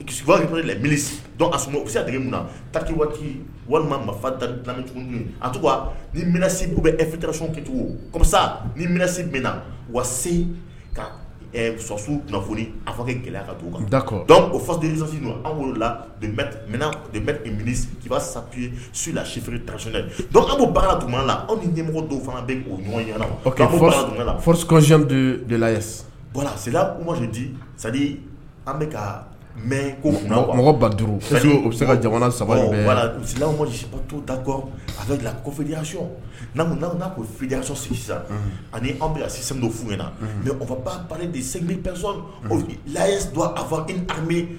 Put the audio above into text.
Kisifasa taki waati walima a ni bɛ ekecogosa na wa se ka sɔ kunnafoni a fɔ gɛlɛya o fasi sa sifi an la anw nimɔgɔ dɔw fana k' ɲɔgɔn ɲɛnasisilasi madi sa an bɛ ka mɛ ko ba duuru u bɛ se ka jamana sabasisi to da a bɛ dilan kofiya sɔ'' n'a ko filiya sɔsi sisan ani anw bɛsiku f ɲɛna na mɛ o ba bali de sɛ pesɔn la don a fɔ e ta